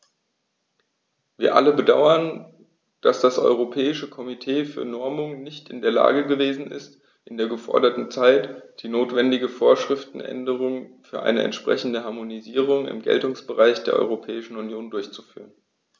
Wir alle bedauern, dass das Europäische Komitee für Normung nicht in der Lage gewesen ist, in der geforderten Zeit die notwendige Vorschriftenänderung für eine entsprechende Harmonisierung im Geltungsbereich der Europäischen Union durchzuführen.